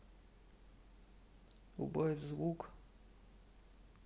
убавь звук